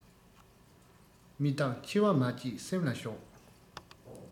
མི རྟག འཆི བ མ བརྗེད སེམས ལ ཞོག